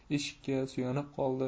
eshikka suyanib qoldi